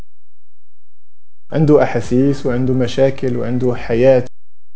عنده احاسيس و عنده مشاكل و عنده حياتي